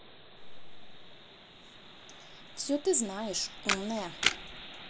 все ты знаешь умная